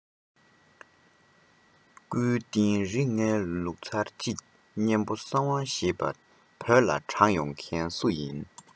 སྐུའི རྟེན རིགས ལྔའི ལུགས ཚར གཅིག གཉན པོ གསང བ ཞེས པ བོད ལ དྲངས ཡོང མཁན སུ ཡིན